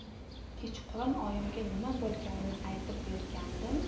kechqurun oyimga nima bo'lganini aytib bergandim